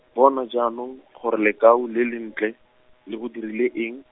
bona jaanong, gore lekau le lentle, le go dirile eng.